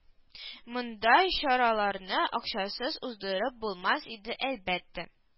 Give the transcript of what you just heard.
Мондай чараларны акчасыз уздырып булмас иде әлбәттә